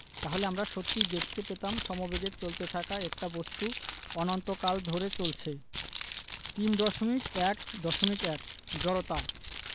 তাহলে আমরা সত্যিই দেখতে পেতাম সমবেগে চলতে থাকা একটা বস্তু অনন্তকাল ধরে চলছে ৩.১.১ জড়তা